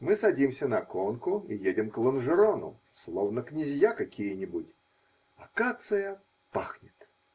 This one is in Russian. Мы садимся на конку и едем к Ланжерону, словно князья какие-нибудь. Акация пахнет.